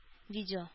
Видео